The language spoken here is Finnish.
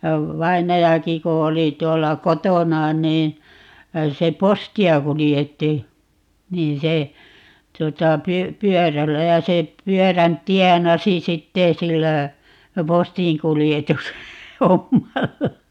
vainajakin kun oli tuolla kotona niin se postia kuljetti niin se tuota - pyörällä ja se pyörän tienasi sitten sillä - postinkuljetushommalla